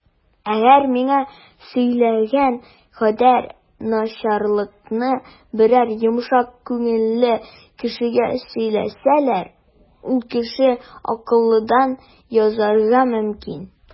Әгәр миңа сөйләгән кадәр начарлыкны берәр йомшак күңелле кешегә сөйләсәләр, ул кеше акылдан язарга мөмкин.